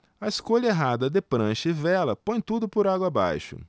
a escolha errada de prancha e vela põe tudo por água abaixo